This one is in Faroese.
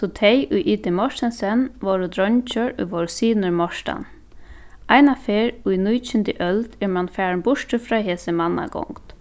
so tey ið itu mortensen vóru dreingir ið vóru synir mortan einaferð í nítjandu øld er mann farin burtur frá hesi mannagongd